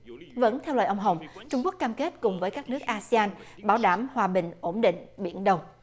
vẫn theo lời ông hồng trung quốc cam kết cùng với các nước a si an bảo đảm hòa bình ổn định biển đông